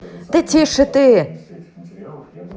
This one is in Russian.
да тише ты